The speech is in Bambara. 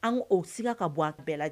An' sigi ka bɔ a bɛɛ